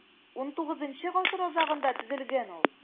XIX гасыр азагында төзелгән ул.